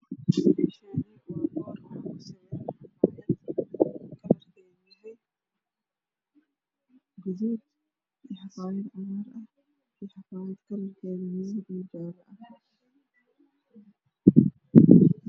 Meeshaani waa boor waxaa ku sawiran cabaayad kalarkeedu yahay guduud iyo xafayad cagaar iyo xafayad madow jaale ah